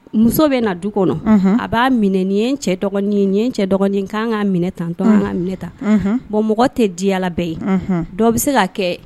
Muso bɛ na du kɔnɔ a b'a minɛ ni cɛ cɛ kan ka minɛ tan to ka minɛ tan bɔn mɔgɔ tɛ diɲala bɛɛ ye dɔ bɛ se ka kɛ